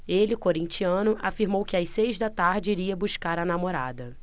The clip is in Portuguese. ele corintiano afirmou que às seis da tarde iria buscar a namorada